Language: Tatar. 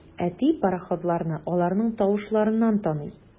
Әти пароходларны аларның тавышларыннан таный.